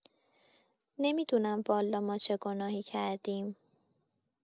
نمی‌دونم والا ما چه گناهی کردیم